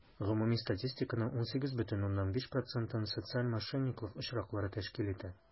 Гомуми статистиканың 18,5 процентын социаль мошенниклык очраклары тәшкил итә.